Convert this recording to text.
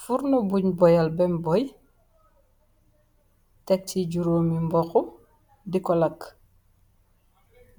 Furna buñ boyal bem boy tek ci juróo mi mbokx di ko lakk